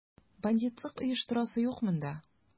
Бандитлык оештырасы юк монда!